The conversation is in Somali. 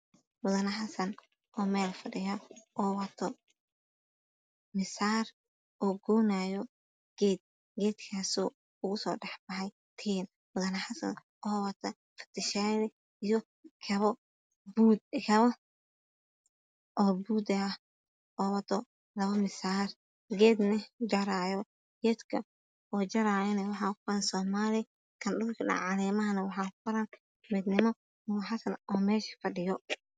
Mudane xasan oo meelfadhiyo oowato misaara geedkaas oo ugasoo dhaxbaxay mudane xasan oo wata kabo oo ah Buudh iyo miishàar